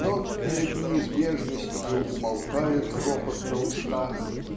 но перед неизбежностью умолкает ропот на устах